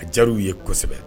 Jaw ye kosɛbɛ